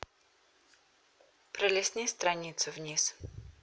пролистни страницу вниз